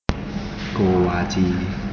โกวาจี